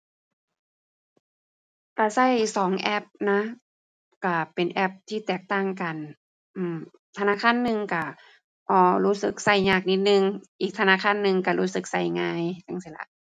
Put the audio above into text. ก็ก็สองแอปนะ ก็เป็นแอปที่แตกต่างกัน อือ ธนาคารหนึ่งก็ พอรู้สึกก็ยากนิดหนึ่ง อีกธนาคารหนึ่งก็รู้สึกก็ง่าย จั่งซี้ล่ะ